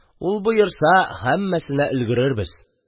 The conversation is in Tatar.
Ул боерса, һәммәсенә өлгерербез...